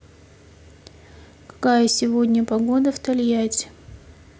какая сегодня погода в тольятти